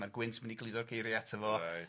mae'r gwynt mynd i gludo'r geiria aty fo. Reit.